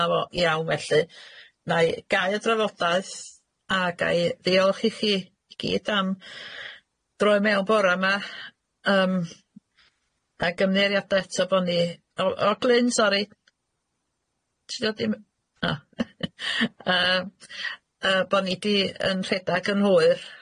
Na fo- iawn felly na'i gau y drafodaeth a ga'i ddiolch i chi i gyd am droi mewm bora 'ma yym a ymddiheuriade eto bo' ni o o Glyn sori ti dod, o yy yy bo' ni 'di yn rhedag yn hwyr,